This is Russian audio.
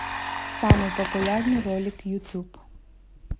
самый популярный ролик ютуб